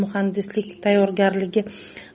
muhandislik tayyorgarligi